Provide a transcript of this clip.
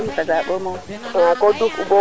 a jege probleme